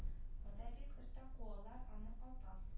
Монда бик оста куалар аны апам